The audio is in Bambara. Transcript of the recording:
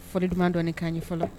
Fɔli duman dɔɔni kan ye fɔlɔ.